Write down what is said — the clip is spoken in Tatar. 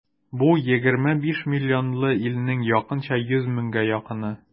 Бу егерме биш миллионлы илнең якынча йөз меңгә якыны.